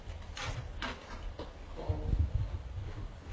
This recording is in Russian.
cl